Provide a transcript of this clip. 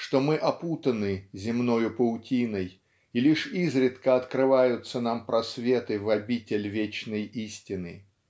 что мы опутаны "земною паутиной" и лишь изредка открываются нам просветы в обитель вечной истины.